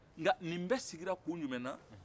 nka nin bɛɛ sigira kun jumɛn na